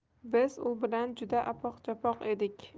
biz u bilan juda apoq chapoq edik